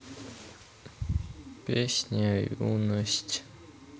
песня юность